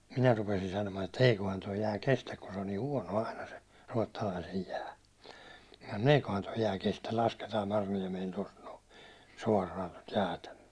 minä rupesin sanomaan että eiköhän tuo jää kestä kun se on niin huono aina se Ruotsalaisen jää no eiköhän tuo jää kestä lasketaan Marjoniemeen tuosta no suoraan tuota jäätä myöten